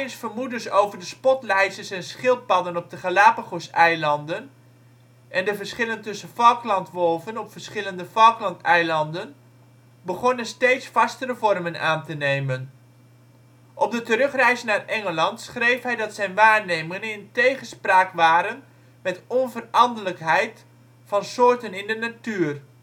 vermoedens over de spotlijsters en schildpadden op de Galapagoseilanden en de verschillen tussen falklandwolven op verschillende Falklandeilanden begonnen steeds vastere vormen aan te nemen. Op de terugreis naar Engeland schreef hij dat zijn waarnemingen in tegenspraak waren met onveranderlijkheid van soorten in de natuur